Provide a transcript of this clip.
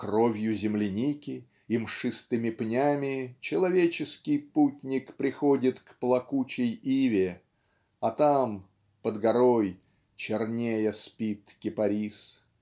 "кровью земляники" и мшистыми пнями человеческий путник приходит к плакучей иве а там под горой чернея спит кипарис.